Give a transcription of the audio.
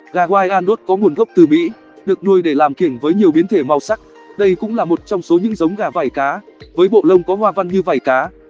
gà wyandotte có nguồn gốc từ mỹ được nuôi để làm kiểng với nhiều biến thể màu sắc đây cũng là một trong số những giống gà vảy cá với bộ lông có hoa văn như vảy cá